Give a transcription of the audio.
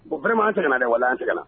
Bon vraiment an sɛgɛnna dɛ walahi an sɛgɛna